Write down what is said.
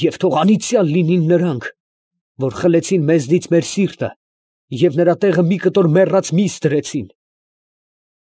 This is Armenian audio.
Եվ թո՛ղ անիծյա՜լ լինին նրանք, որ խլեցին մեզնից մեր սիրտը և նրա տեղը մի կտոր մեռած միս դրեցին…։